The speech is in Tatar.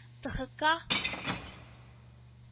“тэкэха